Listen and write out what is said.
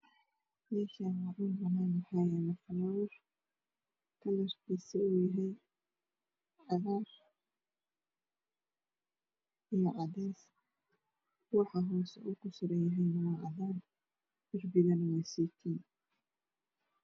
Meeshan dhulcadaan ah waxaa yalo fallower kalakiisu uu yahay cagaar iyo cadees waxa uun kusuranyahy waa cadan darbigana wa saytuun